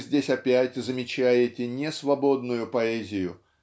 вы здесь опять замечаете не свободную поэзию